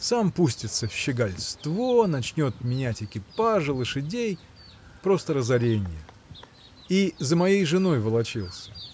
сам пустится в щегольство, начнет менять экипажи, лошадей. просто разоренье! И за моей женой волочился.